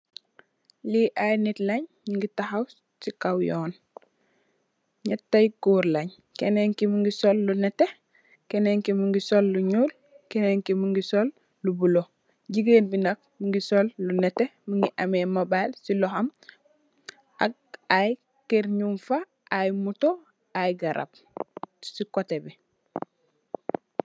Lee aye neet leng nuge tahaw se kaw yoon nyata ye goor len kenen ke muge sol lu nete kenen ke muge sol lu nuul kenen ke muge sol lu bulo jegain be nak muge sol lu nete muge ameh mobile se lohom ak aye kerr nugfa aye motor aye garab se koteh be.